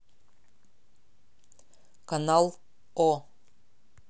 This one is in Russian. канал о